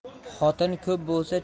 xotin ko'p bo'lsa